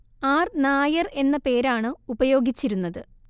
R Nair എന്ന പേരാണ് ഉപയോഗിച്ചിരുന്നത്